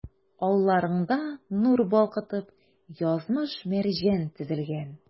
Алларыңда, нур балкытып, язмыш-мәрҗән тезелгән.